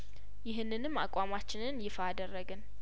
ይህንንም አቋማችንን ይፋ አደረግን